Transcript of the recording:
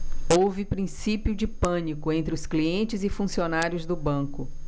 houve princípio de pânico entre os clientes e funcionários do banco